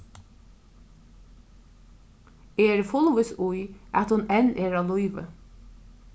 eg eri fullvís í at hon enn er á lívi